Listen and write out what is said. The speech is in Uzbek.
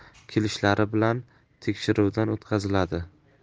ular kelishlari bilan tekshiruvdan o'tkaziladi